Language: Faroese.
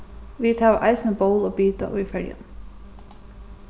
vit hava eisini ból og bita í føroyum